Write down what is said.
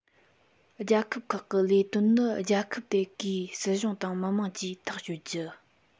རྒྱལ ཁབ ཁག གི ལས དོན ནི རྒྱལ ཁབ དེ གའི སྲིད གཞུང དང མི དམངས ཀྱིས ཐག གཅོད རྒྱུ